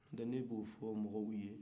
n'o tɛ ne b'o fɔ mɔgɔw ye